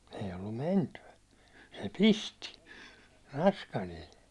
ei ollut mentyä se pisti naskalilla